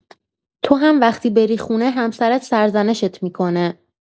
تو هم وقتی بری خونه، همسرت سرزنشت می‌کنه.